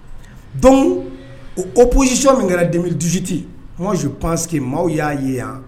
Don opzsi min kɛra dimi dususitizsi que maaw y'a ye yan